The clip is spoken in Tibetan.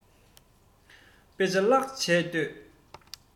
དཔེ ཆ བཀླགས བྱས སྡོད